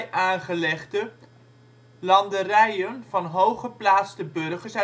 aangelegde, landerijen van hooggeplaatste burgers